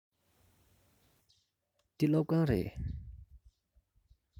འདི སློབ ཁང རེད